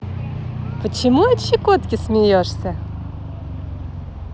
почему от щекотки смеешься